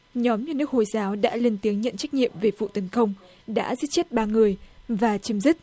nhóm nhà nước hồi giáo đã lên tiếng nhận trách nhiệm về vụ tấn công đã giết chết ba người và chấm dứt